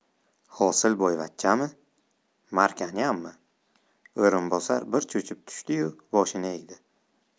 hosilboyvachchami markanyanmi o'rinbosar bir cho'chib tushdi yu boshini egdi